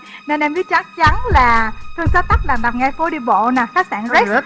nên em biết chắc chắn thương xá tắc nằm ngay phố đi bộ nà khách sạn rếch